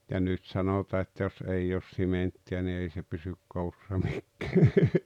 ja nyt sanotaan että jos ei ole sementtiä niin ei se pysy koossa mikään